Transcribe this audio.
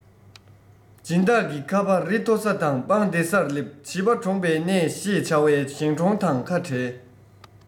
སྦྱིན བདག གི ཁ པ རི མཐོ ས དང སྤང བདེ སར སླེབས བྱིས པ གྲོངས པའི གནས ཤེས བྱ བའི ཞིང གྲོང དང ཁ བྲལ